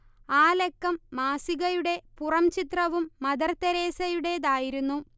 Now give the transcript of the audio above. ആ ലക്കം മാസികയുടെ പുറംചിത്രവും മദർതെരേസയുടേതായിരുന്നു